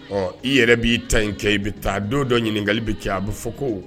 Ɔ i yɛrɛ b'i ta in kɛ i bɛ taa don dɔ ɲininkali bɛ kɛ a bɛ fɔ ko